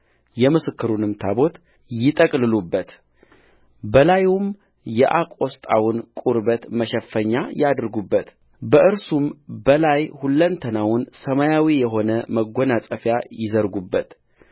የምስክሩንም ታቦት ይጠቅልሉበትበላዩም የአቆስጣውን ቁርበት መሸፈኛ ያድርጉበት ከእርሱም በላይ ሁለንተናው ሰማያዊ የሆነ መጐናጸፊያ ይዘርጉበት